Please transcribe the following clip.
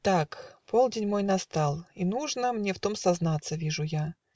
Так, полдень мой настал, и нужно Мне в том сознаться, вижу я.